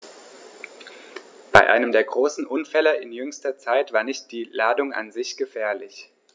Bei einem der großen Unfälle in jüngster Zeit war nicht die Ladung an sich gefährlich.